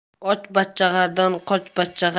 och bachchag'ardan qoch bachchag'ar